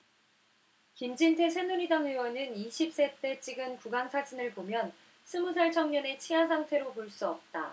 김진태 새누리당 의원은 이십 세 때 찍은 구강 사진을 보면 스무살 청년의 치아 상태로 볼 수 없다